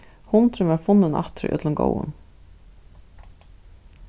hundurin varð funnin aftur í øllum góðum